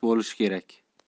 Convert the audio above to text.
mos bo'lishi kerak